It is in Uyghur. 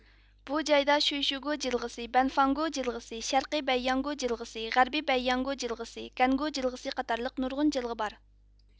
بۇ جايدا شۈيشىگۇ جىلغىسى بەنفاڭگۇ جىلغىسى شەرقىي بەيياڭگۇ جىلغىسى غەربىي بەيياڭگۇ جىلغىسى گەنگۇ جىلغىسى قاتارلىق نۇرغۇن جىلغا بار